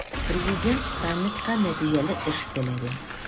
Президент саммитка нәтиҗәле эш теләде.